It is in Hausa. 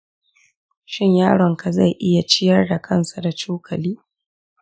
shin yaronka zai iya ciyar da kansa da cokali?